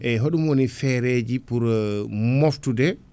e hoɗum woni feereji pour moftude